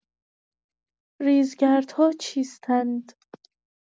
ریزگردها چیستند؟